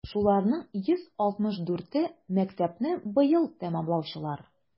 Шуларның 164е - мәктәпне быел тәмамлаучылар.